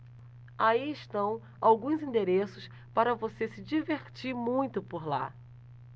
aí estão alguns endereços para você se divertir muito por lá